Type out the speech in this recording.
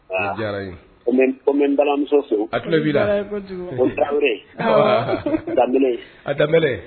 O bɛ balamuso sɔrɔ a tulo bii daɛlɛ daminɛɛlɛ a daminɛmeɛlɛ